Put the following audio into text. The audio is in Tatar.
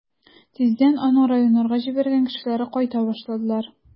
Тиздән аның районнарга җибәргән кешеләре кайта башладылар.